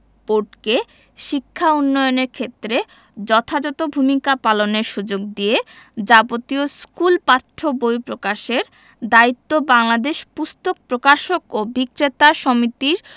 বোর্ডকে শিক্ষা উন্নয়নের ক্ষেত্রে যথাযথ ভূমিকা পালনের সুযোগ দিয়ে যাবতীয় স্কুল পাঠ্য বই প্রকাশের দায়িত্ব বাংলাদেশ পুস্তক প্রকাশক ও বিক্রেতা সমিতির